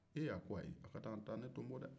ee a ko ayi aw ka na taa ne tonbo dɛ